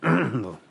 Yndw.